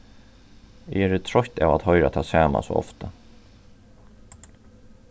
eg eri troytt av at hoyra tað sama so ofta